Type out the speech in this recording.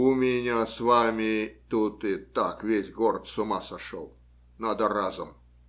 У меня с вами тут и так весь город с ума сошел. Надо разом.